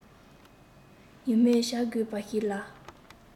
ཡིད སྨོན བྱ དགོས པ ཞིག ལ